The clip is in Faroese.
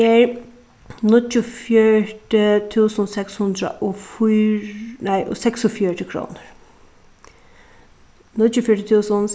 er níggjuogfjøruti túsund seks hundrað og nei og seksogfjøruti krónur níggjuogfjøruti túsund